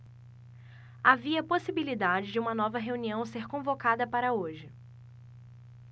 havia possibilidade de uma nova reunião ser convocada para hoje